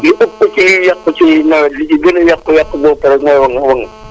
li ëpp ci liy yàqu ci nawet bi yi ci gën a yàq yàq bu ëpp rek mooy woŋ woŋ